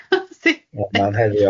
O na'n heriol.